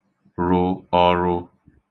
rụ̄ ọ̄rụ̄